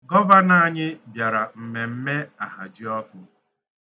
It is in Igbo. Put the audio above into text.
Gọvanọ anyị bịara mmemme Ahajiọkụ.